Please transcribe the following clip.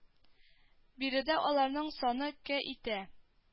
Биредә аларның саны кә итә